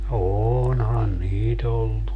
onhan niitä ollut